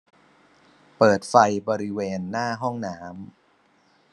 เปิดไฟบริเวณหน้าห้องน้ำ